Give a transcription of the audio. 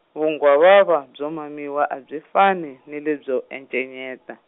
vunghwavava byo mamiwa a byi fani ni lebyo encenyeta.